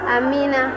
amiina